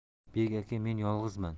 bek aka men yolg'izman